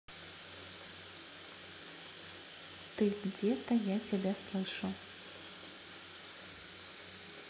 ты где то я тебя слышу